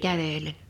kävellen